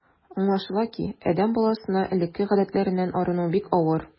Аңлашыла ки, адәм баласына элекке гадәтләреннән арыну бик авыр.